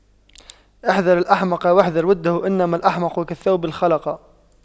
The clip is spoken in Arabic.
احذر الأحمق واحذر وُدَّهُ إنما الأحمق كالثوب الْخَلَق